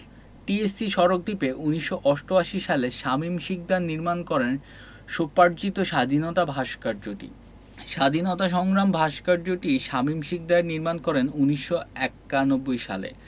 TSC সড়ক দ্বীপে ১৯৮৮ সালে শামীম শিকদার নির্মাণ করেন স্বোপার্জিত স্বাধীনতা ভাস্কার্যটি স্বাধীনতা সংগ্রাম ভাস্কার্যটি শামীম শিকদার নির্মাণ করেন ১৯৯১ সালে